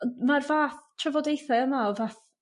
Ond ma'r fath trafodaethe yma o fa-